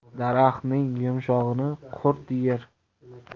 daraxtning yumshog'ini qurt yer